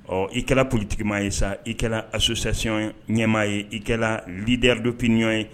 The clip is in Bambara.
Ɔ i kɛra politikimaa ye sa i kɛra association ɲɛmaa ye i kɛra leader d'opinion ye